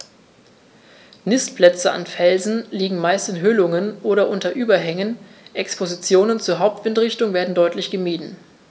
Nistplätze an Felsen liegen meist in Höhlungen oder unter Überhängen, Expositionen zur Hauptwindrichtung werden deutlich gemieden.